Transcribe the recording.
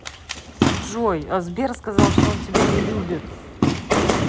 джой а сбер сказал то что он тебя не любит